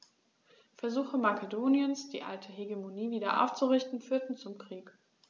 Versuche Makedoniens, die alte Hegemonie wieder aufzurichten, führten zum Krieg.